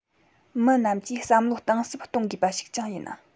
མི རྣམས ཀྱིས བསམ བློ གཏིང ཟབ གཏོང དགོས པ ཞིག ཀྱང ཡིན